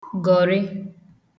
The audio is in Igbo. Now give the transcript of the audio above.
gọ̀rị